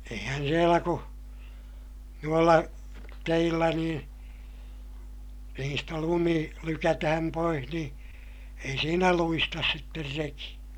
eihän siellä kun noilla teillä niin niistä lumi lykätään pois niin ei siinä luista sitten reki